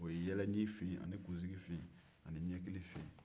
o ye yɛlɛɲin fin ani kunsigi fin ani ɲɛkili fin